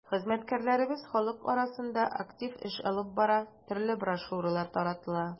Хезмәткәрләребез халык арасында актив эш алып бара, төрле брошюралар таратыла.